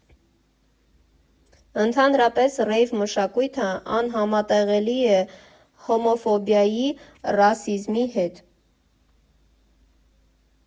Ընդհանրապես, ռեյվ֊մշակույթն անհամատեղելի է հոմոֆոբիայի, սեքսիզմի, ռասիզմի, հետ։